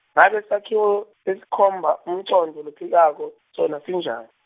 ngabe sakhiwo, lesikhomba umcondvo lophikako, sona sinjani?